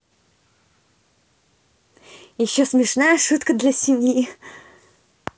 еще смешная шутка для семьи